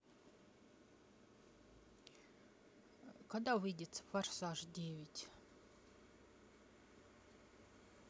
когда выйдет форсаж девять